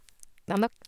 Det er nok?